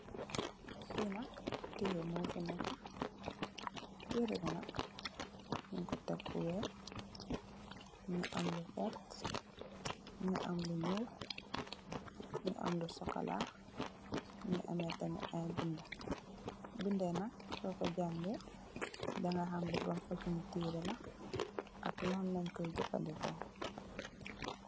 Fii nak teere mu fi neka, teere bi nak nyun ko teg fu weex, mingi am lu verte, mingi am lu nyuuul, mingi am lu sokola, mingi amme tamit ay binde, binde yi nak so ko jangee dagay xam li ban fasoni teere la ak lan lenj ko jafandikoo.